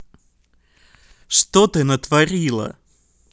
что ты натворила